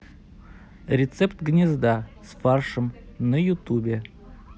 рецепт гнезда с фаршем на ютубе